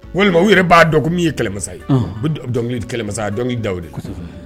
Walima u yɛrɛ b'a dɔn min ye kɛlɛmasa ye kɛlɛmasa ye dɔnki dawu de